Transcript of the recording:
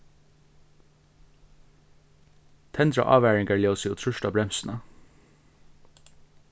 tendra ávaringarljósið og trýst á bremsuna